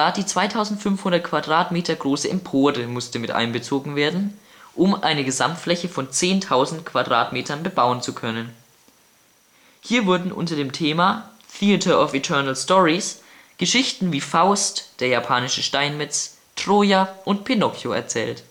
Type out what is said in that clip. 2500 Quadratmeter große Empore musste mit einbezogen werden, um eine Gesamtfläche von 10.000 Quadratmeter bebauen zu können. Hier wurden unter dem Thema „ Theatre of Eternal Stories “Geschichten wie „ Faust “, “der japanische Steinmetz “,„ Troja “und „ Pinocchio “erzählt